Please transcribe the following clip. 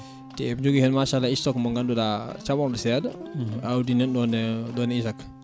te eɓe jogui hen machallah stock mo ganduɗa caɓorɗo seeɗa awdi nanɗon e ɗon e IJAK